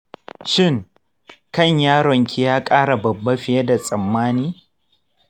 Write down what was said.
shin kan yaron ki ya kara babba fiye da tsamani?